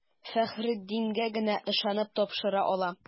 Фәхреддингә генә ышанып тапшыра ала.